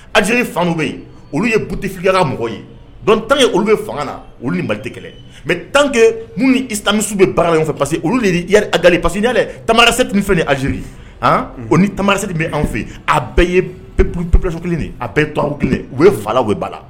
Az fan bɛ olu ye bufika mɔgɔ ye dɔn tankɛ olu bɛ fanga la olu ni bali kɛlɛ mɛ tankɛ ni i tamisiw bɛ baara ɲɔgɔn parce olu pa tamarase fɛn ni azri o ni tamarase de bɛ anw fɛ a bɛɛ ye-p kelen a bɛɛ tu kelen u ye fa o ba la